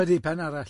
Ydi, pen arall.